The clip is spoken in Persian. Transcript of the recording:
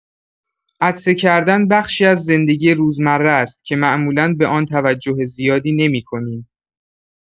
عطسه کردن بخشی از زندگی روزمره است که معمولا به آن توجه زیادی نمی‌کنیم.